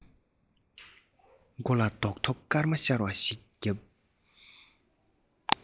མགོ ལ རྡོག ཐོ སྐར མ ཤར བ ཞིག བརྒྱབ